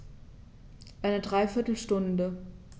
Eine dreiviertel Stunde